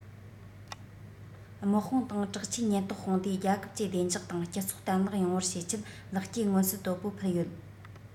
དམག དཔུང དང དྲག ཆས ཉེན རྟོག དཔུང སྡེས རྒྱལ ཁབ ཀྱི བདེ འཇགས དང སྤྱི ཚོགས བརྟན ལྷིང ཡོང བར བྱེད ཆེད ལེགས སྐྱེས མངོན གསལ དོད པོ ཕུལ ཡོད